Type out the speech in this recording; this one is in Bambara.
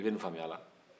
i bɛ nin famuyala